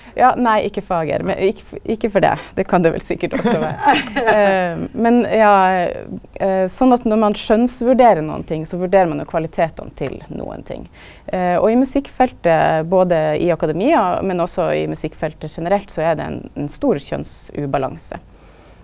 ja nei ikkje fager men ikkje for det det kan det vel sikkert også vera, men ja sånn at når ein skjønnsvurderer nokon ting så vurderer ein jo kvalitetane til nokon ting, og i musikkfeltet både i akademia men også i musikkfeltet generelt så er det ein stor kjønnsubalanse.